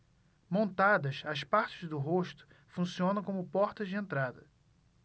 montadas as partes do rosto funcionam como portas de entrada